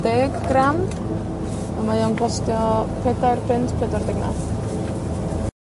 deg gram. A mae o'n costio pedwar punt pedwar deg naw.